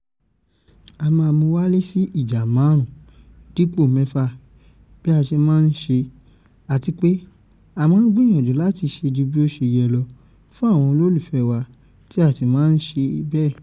A máa mú wálẹ̀ sí ìjà márùn ún dípò mẹ́fà - bí a ṣe máa ń ṣe - àtipé a máa ń gbìyànjú láti ṣe jú bí ó ṣe yẹ lọ fún àwọn olólùfẹ́ wa tí a sì máa ń ṣe bẹ́ẹ̀.